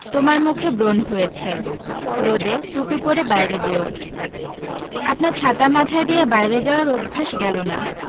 তোমার মুখে ব্রন হয়েছে রোদে টুপি পরে বাইরে যেও আপনার ছাতা মাথায় দিয়ে বাইরে যাওয়ার অভ্যাস গেল না